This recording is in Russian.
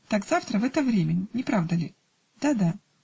Так завтра, в это время, не правда ли?" -- "Да, да".